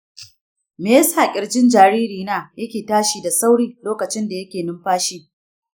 me ya sa ƙirjin jaririna yake tashi da sauri lokacin da yake numfashi?